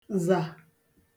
zà